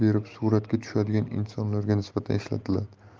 berib suratga tushadigan insonlarga nisbatan ishlatiladi